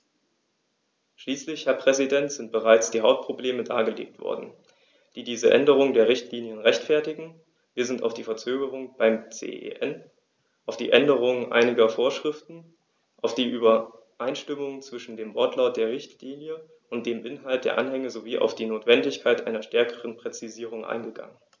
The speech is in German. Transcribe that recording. Schließlich, Herr Präsident, sind bereits die Hauptprobleme dargelegt worden, die diese Änderung der Richtlinie rechtfertigen, wir sind auf die Verzögerung beim CEN, auf die Änderung einiger Vorschriften, auf die Übereinstimmung zwischen dem Wortlaut der Richtlinie und dem Inhalt der Anhänge sowie auf die Notwendigkeit einer stärkeren Präzisierung eingegangen.